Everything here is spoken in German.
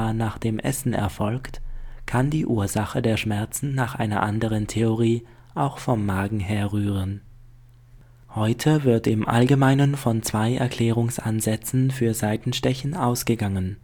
nach dem Essen erfolgt, kann die Ursache der Schmerzen nach einer anderen Theorie auch vom Magen herrühren. Heute wird im Allgemeinen von zwei Erklärungsansätzen für Seitenstechen ausgegangen